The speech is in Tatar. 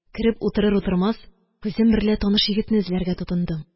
Кереп утырыр-утырмас, күзем берлә таныш егетне эзләргә тотындым